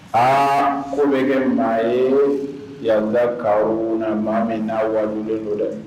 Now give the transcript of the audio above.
Aa ko bɛ kɛ maa ye maa min n'a wajulen don dɛ